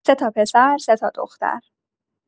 سه‌تا پسر، سه‌تا دختر.